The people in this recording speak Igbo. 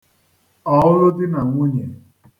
ọ̀ọlụdinànwunyè